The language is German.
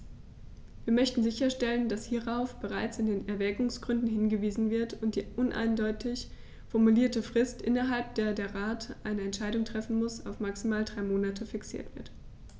Wir möchten sicherstellen, dass hierauf bereits in den Erwägungsgründen hingewiesen wird und die uneindeutig formulierte Frist, innerhalb der der Rat eine Entscheidung treffen muss, auf maximal drei Monate fixiert wird.